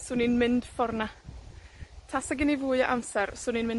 'swn i'n mynd ffor 'na, tasa gen i fwy o amser, 'swn i'n mynd